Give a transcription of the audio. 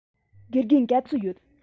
དགེ རྒན ག ཚོད ཡོད